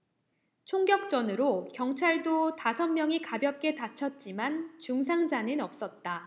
총격전으로 경찰도 다섯 명이 가볍게 다쳤지만 중상자는 없었다